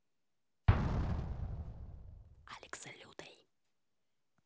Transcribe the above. алекс лютый